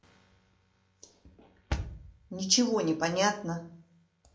ничего не понятно